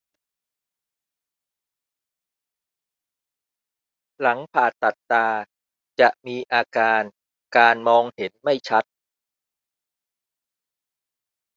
หลังผ่าตัดตาจะมีอาการการมองเห็นไม่ชัด